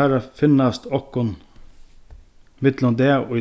teirra finnast okkum millum dag